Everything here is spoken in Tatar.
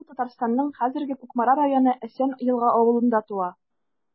Ул Татарстанның хәзерге Кукмара районы Әсән Елга авылында туа.